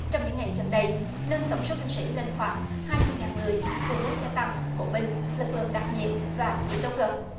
trong những ngày gần đây nâng tổng số binh sĩ lên khoảng hai mươi ngàn người cùng với xe tăng bộ binh lực lượng đặc nhiệm và chiến đấu cơ